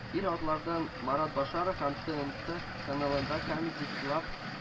Ир-атлардан марат бәшәров һәм тнт каналында камеди клаб